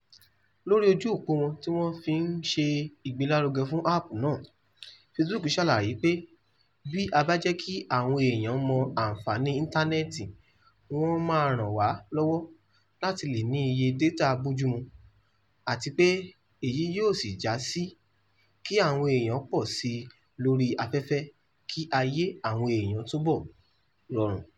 Lóri ojú òpo wọn tí wọ́n fi ń ṣe ìgbélárugẹ fún áàpù náà, Facebook ṣàlàyé pé “[bí] a bá jẹ́ kí àwọn eèyàn mọ anfààní Íntánẹ̀ẹ̀tì” wọ́n máa ràn wà lọ́wọ́ láti lè ní iye data bójúmu àti pé èyí yóò sì já sí “kí àwọn eèyàn pọ̀ sí lórí afẹ́fẹ́ kí ayé àwọn eèyàn sì túbọ̀ rọrùn”.